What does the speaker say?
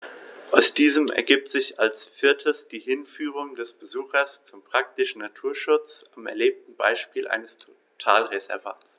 Aus diesen ergibt sich als viertes die Hinführung des Besuchers zum praktischen Naturschutz am erlebten Beispiel eines Totalreservats.